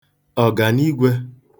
ọ̀gànigwē